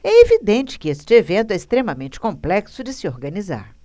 é evidente que este evento é extremamente complexo de se organizar